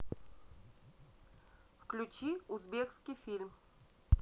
включи узбекский фильм